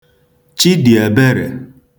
Chidị̀èberè